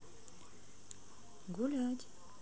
гулять